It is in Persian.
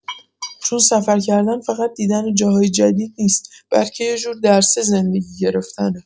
چون سفر کردن فقط دیدن جاهای جدید نیست، بلکه یه جور درس زندگی گرفتنه.